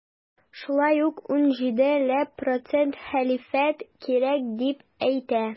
Шулай ук 17 ләп процент хәлифәт кирәк дип әйтә.